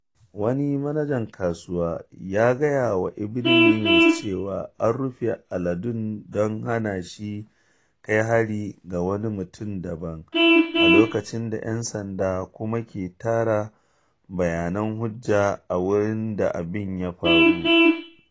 Wani manajan kasuwa ya gaya wa Evening News cewa an rufe aladen don hana shi kai hari ga wani mutum daban, a lokacin da ‘yan sanda kuma ke tara bayanan hujja a wurin da abin ya faru.